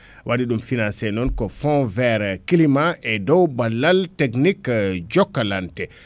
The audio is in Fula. waɗi ɗum financé ko fond vert climat e dow ballal technique jokalante